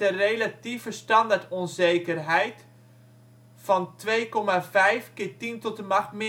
relatieve standaardonzekerheid (U) van 2.5 × 10 – 11.